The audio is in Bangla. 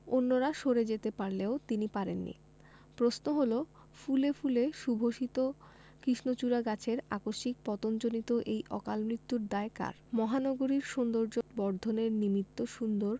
অন্যরা সরে যেতে পারলেও তিনি পারেননি প্রশ্ন হলো ফুলে ফুলে সুশোভিত কৃষ্ণচূড়া গাছের আকস্মিক পতনজনিত এই অকালমৃত্যুর দায় কার মহানগরীর সৌন্দর্যবর্ধনের নিমিত্ত সুন্দর